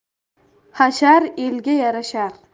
hashar elga yarashar